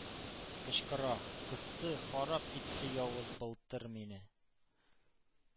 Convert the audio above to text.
Кычкыра: «Кысты, харап итте явыз «Былтыр» мине,